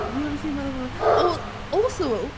Fi honestly yn meddwl bo' nhw... O! Also...